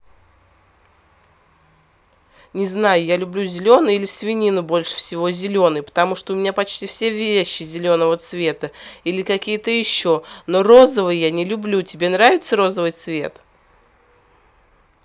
не знаю я люблю зеленый или свинину больше всего зеленый потому что у меня почти все вещи зеленого цвета или какие то еще но розовые я не люблю тебе нравится розовый цвет